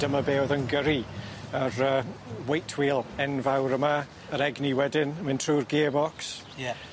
Dyma be' o'dd yn gyrru yr yy weight wheel enfawr yma yr egni wedyn mynd trw'r gearbox. Ie.